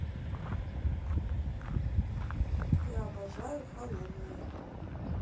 я обожаю холодную